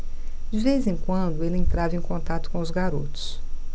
de vez em quando ele entrava em contato com os garotos